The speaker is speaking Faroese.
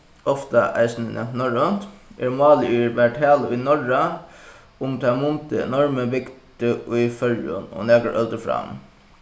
ofta eisini nevnt norrønt er málið ið varð talað í norra um tað mundið norðmenn bygdu í føroyum og nakrar øldir fram